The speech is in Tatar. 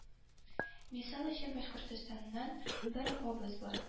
Мисал өчен башкортстаннан бер апабыз бар